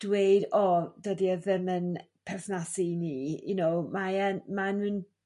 dweud o dydi e ddim yn perthnasu i ni you know mae e'n ma' n'w'n